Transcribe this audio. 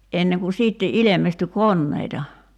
ennen kuin sitten ilmestyy koneita